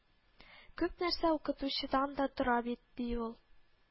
Күп нәрсә укытучыдан да тора бит, ди ул